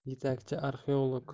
yetakchi arxeolog